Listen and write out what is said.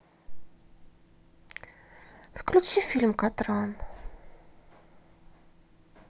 включи фильм катран